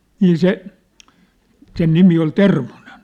niin se sen nimi oli Termonen